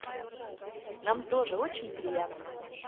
нам тоже очень приятно